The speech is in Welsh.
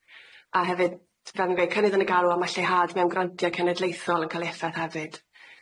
A hefyd fel fi'n gweud cynnydd yn y galw a ma lleihad mewn grantiau cenedlaethol yn ca'l effaith hefyd.